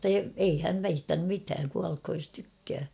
ei hän piitannut mitään kuolkoon jos tykkää